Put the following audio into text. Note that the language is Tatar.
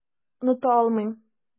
Оныта алмыйм.